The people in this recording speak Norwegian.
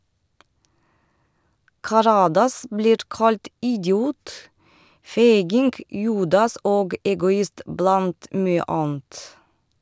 Karadas blir kalt idiot, feiging, judas og egoist - blant mye annet.